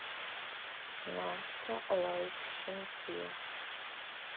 настя лайк щенки